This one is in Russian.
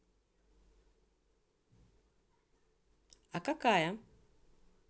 а какая